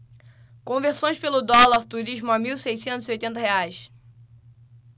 conversões pelo dólar turismo a mil seiscentos e oitenta reais